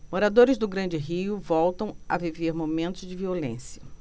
moradores do grande rio voltam a viver momentos de violência